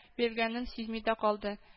Бирелгәнен сизми дә калды